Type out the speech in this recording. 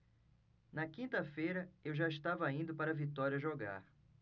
na quinta-feira eu já estava indo para vitória jogar